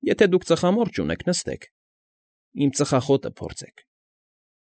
Եթե դուք ծխամորճ ունեք, նստեք, իմ ծխախոտը փորձեք։